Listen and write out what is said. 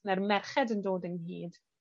ma'r merched yn dod ynghyd,